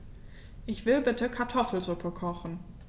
Ich will bitte Kartoffelsuppe kochen.